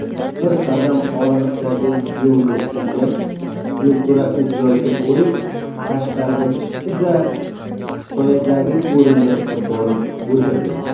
bir qadam oraliqdagi go'ngni surgach belkurakni joyiga qo'yib tashqariga chiqdi da soyadagi o'rindiqqa borib o'tirdi